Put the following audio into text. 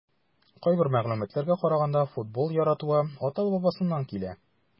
Кайбер мәгълүматларга караганда, футбол яратуы ата-бабасыннан ук килә.